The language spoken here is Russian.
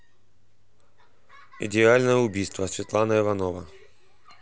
идеальное убийство светлана иванова